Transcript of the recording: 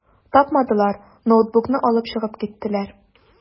Тапмадылар, ноутбукны алып чыгып киттеләр.